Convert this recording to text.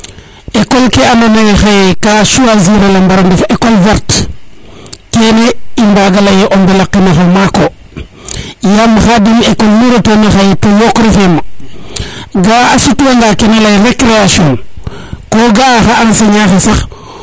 école ke ando naye xaye ka choisir el xaye a mbaro ndef école verte kene i mbaga leye o mbelakinoxo maako yaam Khadim école nu reto na xaye to yook refe ma ga a sut wanga kena leyel recreation ko ga a xa enseignant xe sax